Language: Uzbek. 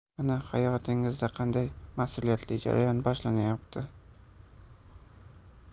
mana hayotingizda qanday mas'uliyatli jarayon boshlanyapti